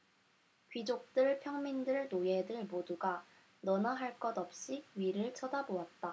귀족들 평민들 노예들 모두가 너나 할 것 없이 위를 쳐다보았다